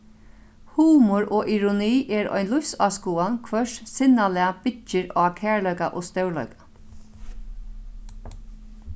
humor og ironi er ein lívsáskoðan hvørs sinnalag byggir á kærleika og stórleika